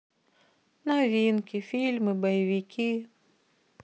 новинки фильмы боевики